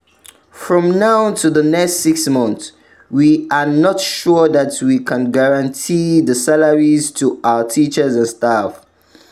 From now to the next six months, we are not sure that we can guarantee the salaries to our teachers and staff.